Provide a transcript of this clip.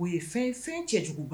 O ye fɛn fɛn cɛ juguba